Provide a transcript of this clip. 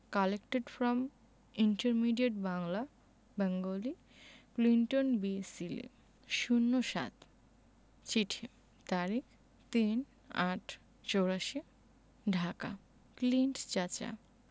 collected from intermediate Bangla Bengali Clinton B Seely ০৭ চিঠি তারিখ ৩-৮-৮৪ ঢাকা ক্লিন্ট চাচা